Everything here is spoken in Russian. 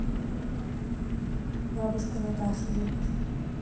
бабушка наташу любишь